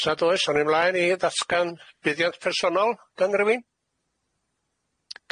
Os nad oes awn ni 'mlaen i ddatgan buddiant personol gan rywun.